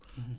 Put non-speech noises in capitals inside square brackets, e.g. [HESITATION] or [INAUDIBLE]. [HESITATION] [HESITATION]